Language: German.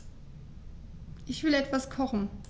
Ich will etwas kochen.